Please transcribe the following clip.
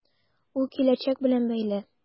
Ул киләчәк белән бәйле.